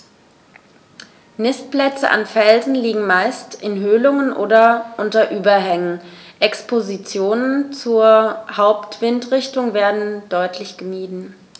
Nistplätze an Felsen liegen meist in Höhlungen oder unter Überhängen, Expositionen zur Hauptwindrichtung werden deutlich gemieden.